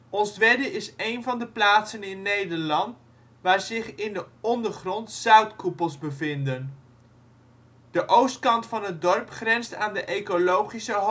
Onstwedde is één van de plaatsen in Nederland waar zich in de ondergrond zoutkoepels bevinden. De oostkant van het dorp grenst aan de Ecologische Hoofdstructuur